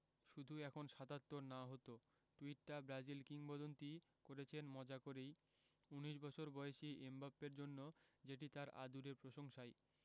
শুধু এখন ৭৭ না হতো টুইটটা ব্রাজিল কিংবদন্তি করেছেন মজা করেই ১৯ বছর বয়সী এমবাপ্পের জন্য যেটি তাঁর আদুরে প্রশংসাই